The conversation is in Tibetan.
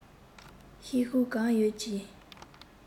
ཤེད ཤུགས གང ཡོད ཀྱིས